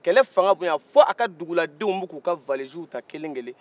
kɛlɛ fanga bonyana fo a ka duguladenw bɛ k'o ka valiziw ta kelen-kelen